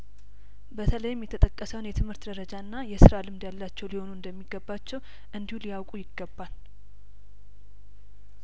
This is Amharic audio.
በተለይም የተጠቀሰውን የትምህርት ደረጃ እና የስራ ልምድ ያላቸው ሊሆኑ እንደሚገባቸው እንዲሁ ሊያውቁ ይገባል